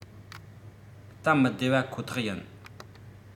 སྟབས མི བདེ བ ཁོ ཐག ཡིན